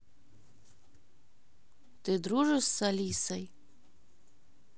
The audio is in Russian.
ты дружишь с алисой